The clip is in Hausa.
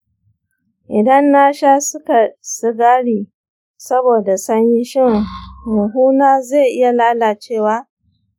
idan na sha sigari saboda sanyi, shin huhuna zai iya lalacewa?